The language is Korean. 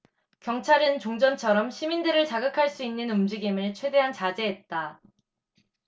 경찰은 종전처럼 시민들을 자극할 수 있는 움직임을 최대한 자제했다